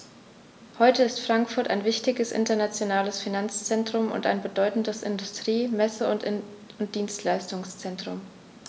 Heute ist Frankfurt ein wichtiges, internationales Finanzzentrum und ein bedeutendes Industrie-, Messe- und Dienstleistungszentrum.